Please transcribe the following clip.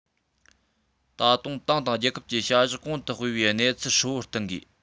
ད དུང ཏང དང རྒྱལ ཁབ ཀྱི བྱ གཞག གོང དུ སྤེལ བའི གནས ཚུལ ཧྲིལ པོར བསྟུན དགོས